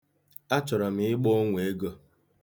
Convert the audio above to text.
Achọrọ m ịgba onwe ego.